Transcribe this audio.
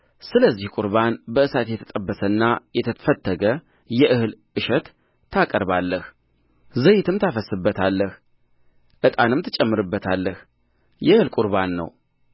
ስለዚህ ቍርባን በእሳት የተጠበሰና የተፈተገ የእህል እሸት ታቀርባለህዘይትም ታፈስስበታለህ ዕጣንም ትጨምርበታለህ የእህል ቍርባን ነው